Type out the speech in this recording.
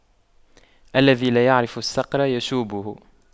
الذي لا يعرف الصقر يشويه